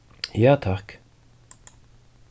ja takk